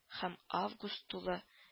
Һәм август тулы